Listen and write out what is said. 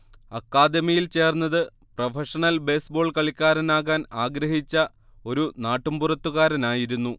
അക്കാദമിയിൽചേർന്നത് professional baseball കളിക്കാരനാകാൻ ആഗ്രഹിച്ച ഒരു നാട്ടുമ്പുറത്തുകാരനായിരുന്നു